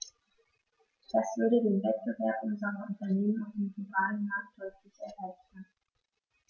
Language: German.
Das würde den Wettbewerb unserer Unternehmen auf dem globalen Markt deutlich erleichtern.